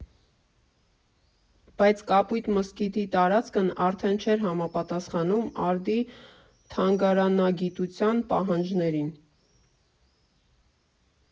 Բայց Կապույտ մզկիթի տարածքն արդեն չէր համապատասխանում արդի թանգարանագիտության պահանջներին։